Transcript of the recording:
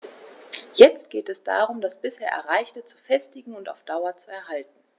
Jetzt geht es darum, das bisher Erreichte zu festigen und auf Dauer zu erhalten.